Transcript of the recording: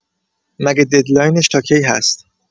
مگه ددلاینش تا کی هست؟